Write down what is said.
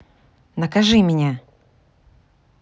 накажи меня